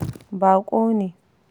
Baƙo ne.